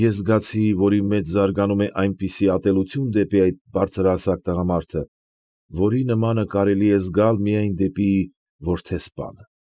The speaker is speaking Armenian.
Ես զգացի, որ իմ մեջ զարգանում է այնպիսի ատելություն դեպի այդ բարձրահասակ տղամարդը, որի նմանը կարելի է զգալ միայն դեպի որդեսպանը։